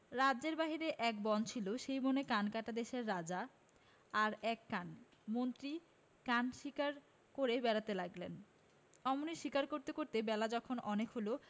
রাজ্যের বাইরে এক বন ছিল সেই বনে কানকাটা দেশের রাজা আর এক কান মন্ত্রী কান শিকার করে বেড়াতে লাগলেন এমনি শিকার করতে করতে বেলা যখন অনেক হল